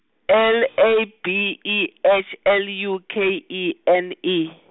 L, A, B, E, H, L, U, K, E, N, E.